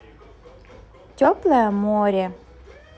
теплое море